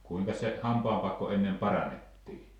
kuinkas se hampaanpakko ennen parannettiin